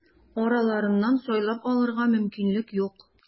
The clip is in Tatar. Араларыннан сайлап алырга мөмкинлек юк.